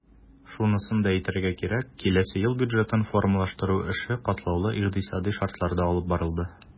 Шунысын да әйтергә кирәк, киләсе ел бюджетын формалаштыру эше катлаулы икътисадый шартларда алып барылды.